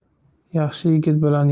yaxshi yigit bilan